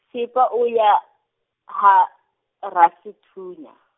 Seapi o ya, ha, Rasethunya.